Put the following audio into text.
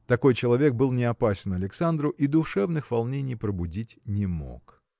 Такой человек был не опасен Александру и душевных волнений пробудить не мог.